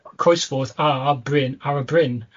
Croesffordd, a, bryn ar y bryn.